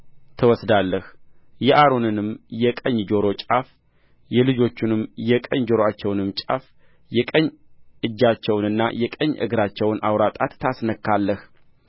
ትወስዳለህ የአሮንንም የቀኝ ጆሮ ጫፍ የልጆቹንም የቀኝ ጆሮአቸውን ጫፍ የቀኝ እጃቸውንና የቀኝ እግራቸውን አውራ ጣት ታስነካለህ